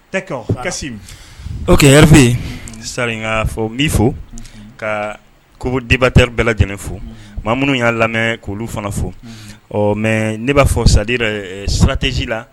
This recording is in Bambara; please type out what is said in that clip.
O kɛ yɛrɛ yen saria fɔ n' fɔ ka kobate bɛ lajɛlen fo ma minnu y'a lamɛn k'olu fana fo ɔ mɛ ne b'a fɔ sadi siratɛsi la